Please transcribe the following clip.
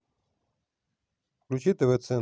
включи тв центр